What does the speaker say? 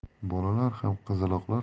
bolalar ham qizaloqlar